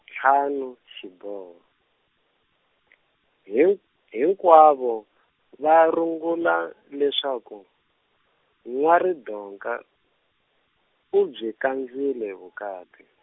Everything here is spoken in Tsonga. ntlhanu xiboho, hin- hikwavo, va rungula leswaku, N'wa-Ridonga, u byi kandzile vukati.